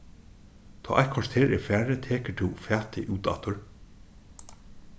tá eitt korter er farið tekur tú fatið út aftur